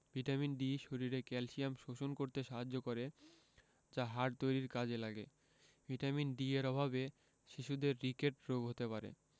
vitamin D শরীরে calcium শোষণ করতে সাহায্য করে যা হাড় তৈরীর কাজে লাগে ভিটামিন D এর অভাবে শিশুদের রিকেট রোগ হতে পারে